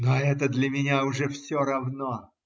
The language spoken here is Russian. Но это для меня уже все равно.